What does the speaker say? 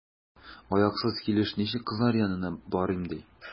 Аяксыз килеш ничек кызлар янына барыйм, ди?